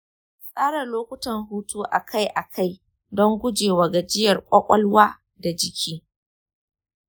tsara lokutan hutu a kai a kai don guje wa gajiyar ƙwaƙwalwa da jiki.